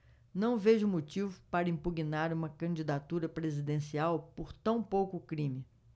não vejo motivo para impugnar uma candidatura presidencial por tão pouco crime